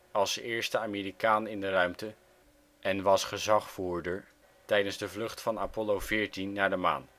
als eerste Amerikaan in de ruimte, en was gezagvoerder tijdens de vlucht van Apollo 14 naar de maan